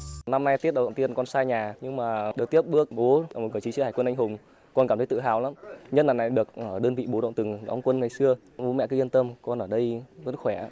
năm nay tết đầu tiên con xa nhà nhưng mà được tiếp bước bố của chiến sĩ hải quân anh hùng còn cảm thấy tự hào lắm nhất là lại được ở đơn vị bộ đội từng đóng quân ngày xưa nên bố mẹ cứ yên tâm con ở đây vẫn khỏe